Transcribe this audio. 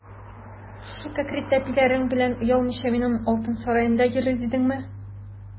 Шушы кәкре тәпиләрең белән оялмыйча минем алтын сараемда йөрер идеңме?